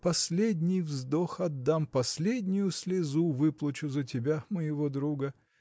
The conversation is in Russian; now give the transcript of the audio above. последний вздох отдам, последнюю слезу выплачу за тебя, моего друга.